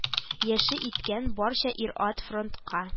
Яше иткән барча ир-ат фронтка